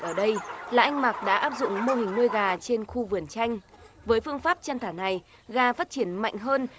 ở đây là anh mạc đã áp dụng mô hình nuôi gà trên khu vườn chanh với phương pháp chăn thả này gà phát triển mạnh hơn